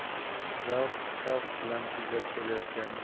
zavq shavq bilan kuylab kelayotgan